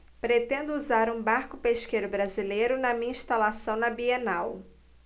pretendo usar um barco pesqueiro brasileiro na minha instalação na bienal